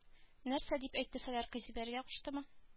Нәрсә дип әйтте солярка сибәргә куштымы